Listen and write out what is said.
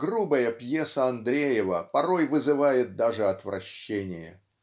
грубая пьеса Андреева порою вызывает даже отвращение.